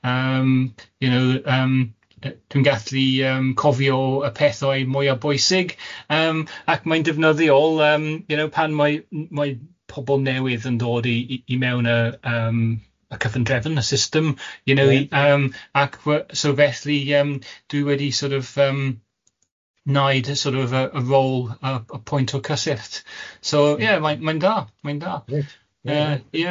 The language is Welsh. yym you know yym, dwi'n gallu yym cofio y pethau mwyaf bwysig yym ac mae'n ddefnyddiol yym you know pan mae n- mae pobol newydd yn dod i i i mewn y yym y cyfan defn, y system you know yym ac we- so felly yym dwi wedi sort of yym, wnaud sort of y y rôl y y pwynt o cysyllt so ie mae'n mae'n dda, mae'n dda.. Reit. ...yy ia.